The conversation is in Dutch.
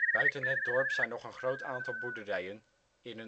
Buiten het dorp zijn nog een groot aantal boerderijen in